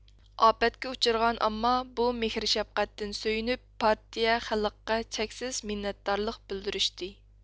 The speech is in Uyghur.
ئاپەتكە ئۇچرىغان ئامما بۇ مېھىر شەپقەتتىن سۆيۈنۈپ پارتىيە خەلققە چەكسىز مىننەتدارلىق بىلدۈرۈشتى